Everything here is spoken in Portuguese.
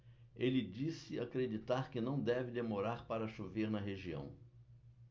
ele disse acreditar que não deve demorar para chover na região